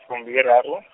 fumbiliraru.